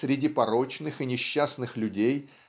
среди порочных и несчастных людей